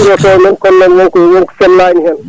curen koyemen kono noon wonko wonko sellani hen